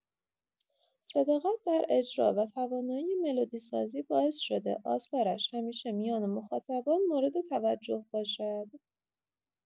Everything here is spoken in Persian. صداقت در اجرا و توانایی ملودی‌سازی باعث شده آثارش همیشه میان مخاطبان مورد توجه باشد.